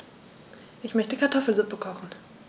Ich möchte Kartoffelsuppe kochen.